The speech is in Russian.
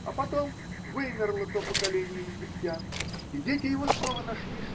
А потом – вымерло то поколение египтян, и дети его снова нашли.